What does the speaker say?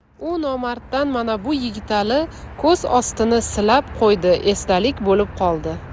u nomarddan mana bu yigitali ko'z ostini silab qo'ydi esdalik bo'lib qoldi